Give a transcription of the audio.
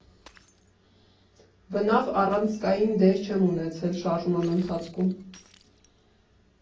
Բնավ առանցքային դեր չեմ ունեցել շարժման ընթացքում։